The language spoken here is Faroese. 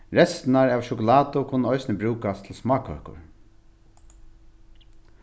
restirnar av sjokulátu kunna eisini brúkast til smákøkur